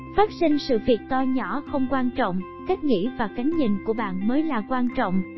phát sinh sự việc to nhỏ không quan trọng cách nghĩ và cánh nhìn của bạn mới là quan trọng